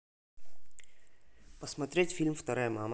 посмотреть фильм вторая мама